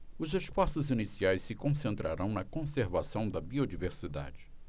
os esforços iniciais se concentrarão na conservação da biodiversidade